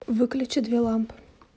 выключи две лампы